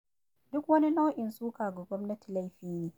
Duk wani nau'in suka ga gwamnati laifi ne